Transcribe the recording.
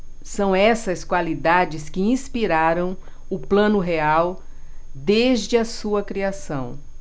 são essas qualidades que inspiraram o plano real desde a sua criação